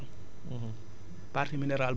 ba tey am nga ci une partie minérale